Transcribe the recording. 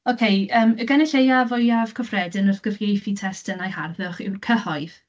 Ok, yym y gynulleia fwya cyffredin wrth gyfieithu testunau harddwch yw'r cyhoedd.